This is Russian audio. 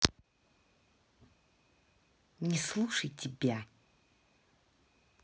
не слушай тебя